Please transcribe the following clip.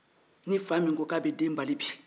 ni fa min k'a bi den bali bi